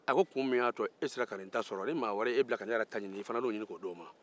kun min y'a to e sera ka nin ta sɔrɔ ni maa wɛrɛ y'e bila ka ne ta ɲini i fana n'o ɲini k'o di o ma